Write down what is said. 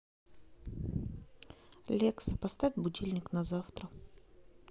лекса поставь будильник на завтра